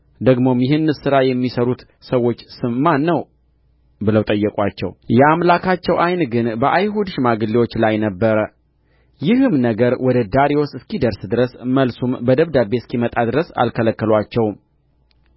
ደግሞም ይህንስ ሥራ የሚሠሩት ሰዎች ስም ማን ነው ብለው ጠየቁአቸው የአምላካቸው ዓይን ግን በአይሁድ ሽማግሌዎች ላይ ነበረ ይህም ነገር ወደ ዳርዮስ እስኪደርስ ድረስ መልሱም በደብዳቤ እስኪመጣ ድረስ አልከለከሉአቸውም